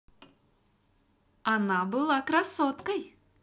она была красоткой